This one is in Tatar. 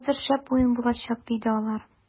- хәзер шәп уен булачак, - диде алар.